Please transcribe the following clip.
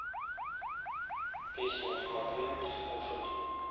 песню смотреть слушать